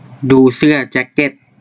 ดูเสื้อแจ็คเก็ต